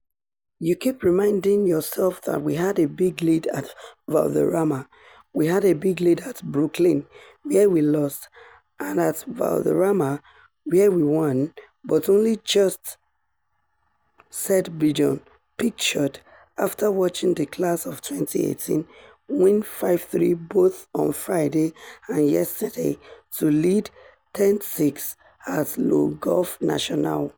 "You keep reminding yourself that we had a big lead at Valderrama; we had a big lead at Brookline, where we lost, and at Valderrama, where we won, but only just," said Bjorn, pictured, after watching the Class of 2018 win 5-3 both on Friday and yesterday to lead 10-6 at Le Golf National.